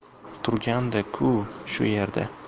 turgandi ku shu yerda